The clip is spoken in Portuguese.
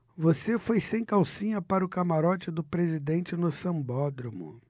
você foi sem calcinha para o camarote do presidente no sambódromo